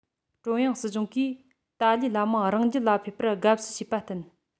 ཀྲུང དབྱང སྲིད གཞུང གིས ཏཱ ལའི བླ མ རང རྒྱལ ལ ཕེབས པར དགའ བསུ བྱེད པ བསྟན